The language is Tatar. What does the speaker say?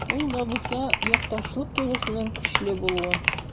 Ул да булса— якташлык тойгысының көчле булуы.